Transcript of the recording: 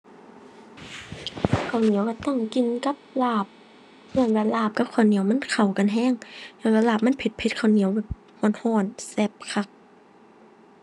ข้าวเหนียวก็ต้องกินกับลาบ ญ้อนว่าลาบกับข้าวเหนียวมันเข้ากันก็ ญ้อนว่าลาบมันเผ็ดเผ็ด ข้าวเหนียวแบบก็ก็แซ่บคัก